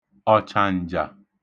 ọ̀chàǹjà